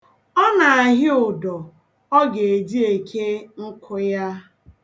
Ọ na-ahị ụdọ ọ ga-eji eke nkụ ya.